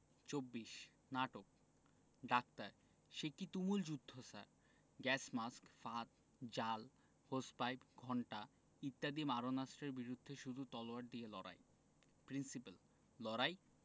২৪ নাটক ডাক্তার সেকি তুমুল যুদ্ধ স্যার গ্যাস মাস্ক ফাঁদ জাল হোস পাইপ ঘণ্টা ইত্যাদি মারণাস্ত্রের বিরুদ্ধে শুধু তলোয়ার দিয়ে লড়াই প্রিন্সিপাল লড়াই